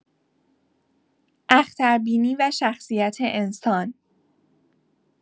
اختربینی و شخصیت انسان